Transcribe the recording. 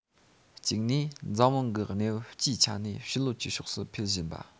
གཅིག ནས འཛམ གླིང གི གནས བབ སྤྱིའི ཆ ནས ཞི ལྷོད ཀྱི ཕྱོགས སུ འཕེལ བཞིན པ